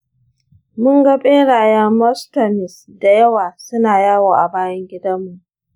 mun ga berayen mastomys da yawa suna yawo a bayan gidanmu.